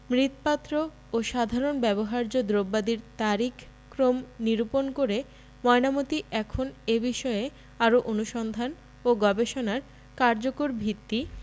মৃৎপাত্র ও সাধারণ ব্যবহার্য দ্রব্যাদির তারিখ ক্রম নিরূপণ করে ময়নামতী এখন এ বিষয়ে আরও অনুসন্ধান ও গবেষণার কার্যকর ভিত্তি